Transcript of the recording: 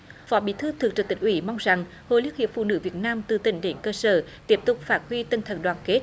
phó bí thư thường trực tỉnh ủy mong rằng hội liên hiệp phụ nữ việt nam từ tỉnh đến cơ sở tiếp tục phát huy tinh thần đoàn kết